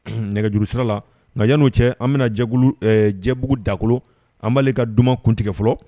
Nɛgɛjuru sira la nka yanni'o cɛ an bɛna jɛbugu dakolo an b'ale ka du kuntigɛ fɔlɔ